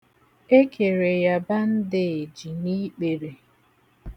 E kere ya bandeeji n'ikpere.